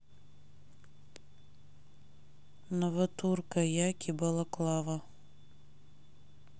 новотур каяки балаклава